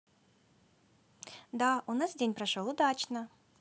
да у нас день прошел удачно